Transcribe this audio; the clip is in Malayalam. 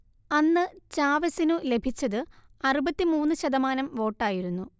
അന്ന് ചാവെസിനു ലഭിച്ചത് അറുപത്തി മൂന്ന് ശതമാനം വോട്ടായിരുന്നു